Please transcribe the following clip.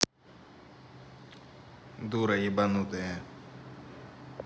дура ебнутая